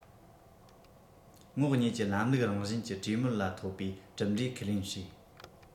ངོགས གཉིས ཀྱི ལམ ལུགས རང བཞིན གྱི གྲོས མོལ ལ ཐོབ པའི གྲུབ འབྲས ཁས ལེན བྱས